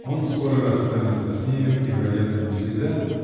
Он скоро расстанется с нею и, вероятно, навсегда